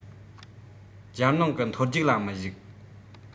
རྒྱལ ནང གི མཐོ རྒྱུགས ལ མི ཞུགས